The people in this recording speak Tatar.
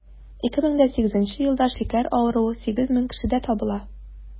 2008 елда шикәр авыруы 8 мең кешедә табыла.